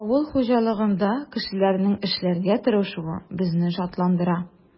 Авыл хуҗалыгында кешеләрнең эшләргә тырышуы безне шатландыра.